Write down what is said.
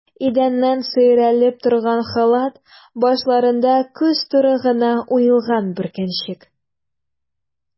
Идәннән сөйрәлеп торган халат, башларында күз туры гына уелган бөркәнчек.